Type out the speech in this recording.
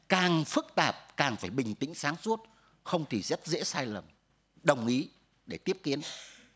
càng phức tạp càng phải bình tĩnh sáng suốt không thì rất dễ sai lầm đồng ý để tiếp kiến